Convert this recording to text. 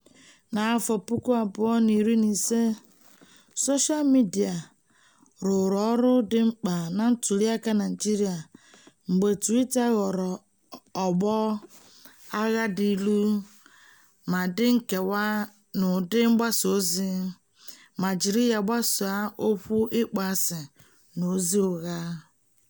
N'afọ 2015, soshaa midịa rụrụ ọrụ dị mkpa na ntụliaka Naịjirịa mgbe Twitter ghọrọ ọgbọ agha dị ilu ma dị nkewa n'udu mgbasa ozi ma jiri ya gbasaa okwu ịkpọasị na ozi ụgha.